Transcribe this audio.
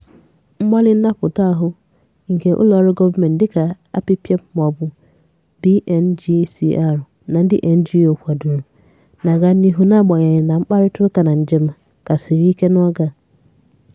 Mgbalị nnapụta ahụ, nke ụlọọrụ gọọmentị dịka Apipa maọbụ BNGCR na ndị NGO kwadoro, na-aga n'ihu n'agbanyeghị na mkparịtaụka na njem ka siri ike n'oge a.